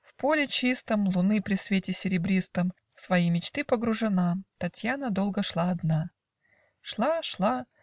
В поле чистом, Луны при свете серебристом, В свои мечты погружена, Татьяна долго шла одна. Шла, шла.